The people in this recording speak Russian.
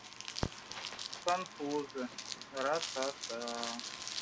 конфузы ратата